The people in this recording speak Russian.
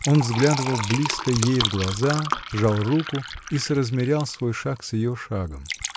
Он взглядывал близко ей в глаза, жал руку и соразмерял свой шаг с ее шагом.